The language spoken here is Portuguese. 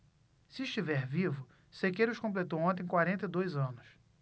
se estiver vivo sequeiros completou ontem quarenta e dois anos